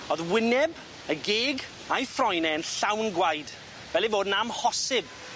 O'dd wyneb ei geg a'i ffroen e'n llawn gwaed fel ei bod yn amhosib